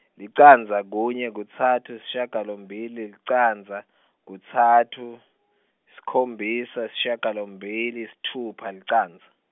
licandza kunye kutsatfu sishiyagalombili, licandza, kutsatfu, sikhombisa, sishiyagalombili, sitfupha, licandza.